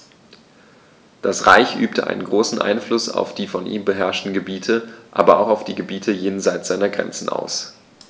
Das Reich übte einen großen Einfluss auf die von ihm beherrschten Gebiete, aber auch auf die Gebiete jenseits seiner Grenzen aus.